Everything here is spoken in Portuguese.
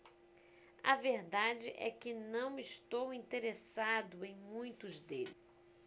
a verdade é que não estou interessado em muitos deles